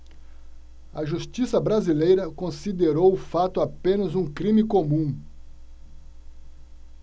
a justiça brasileira considerou o fato apenas um crime comum